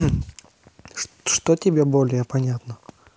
что тебе более понятно